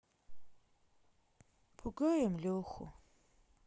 пугаем леху